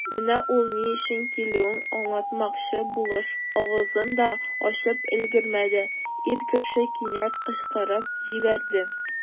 Менә ул, ни өчен килүен аңлатмакчы булыш, авызын да ачып өлгермәде, ир кеше кинәт кычкырып җибәрде.